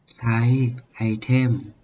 ใช้ไอเทม